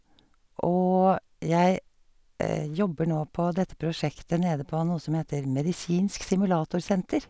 Og jeg jobber nå på dette prosjektet nede på noe som heter Medisinsk SimulatorSenter.